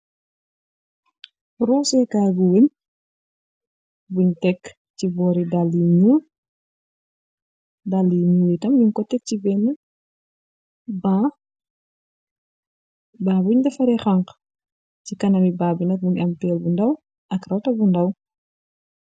roseekaar bu weñ buñ tekk ci boori dalli ñu yitam ñum ko tek ci benn bba buñ dafaree xanq ci kanami ba binag muni am teel bu ndaw ak rota bu ndàw